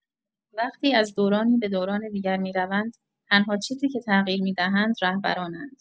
وقتی از دورانی به دورانی دیگر می‌روند، تنها چیزی که تغییر می‌دهند رهبرانند.